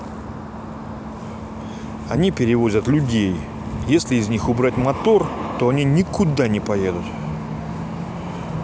они перевозят людей если из них убрать мотор то они никуда не поедут